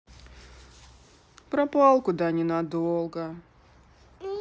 пропал куда ненадолго